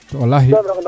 walahi